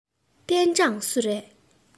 པེན ཀྲང སུ རེད